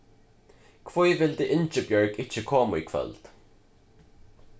hví vildi ingibjørg ikki koma í kvøld